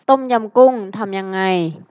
ต้มยำกุ้งทำยังไง